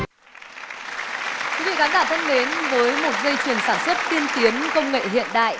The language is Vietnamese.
khán giả thân mến với một dây chuyền sản xuất tiên tiến công nghệ hiện đại